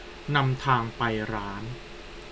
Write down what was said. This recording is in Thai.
นำทางไปร้าน